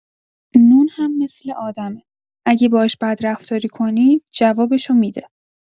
نون هم مثل آدمه، اگه باهاش بدرفتاری کنی، جوابشو می‌ده.